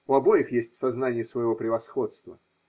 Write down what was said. У обоих есть сознание своего превосходства.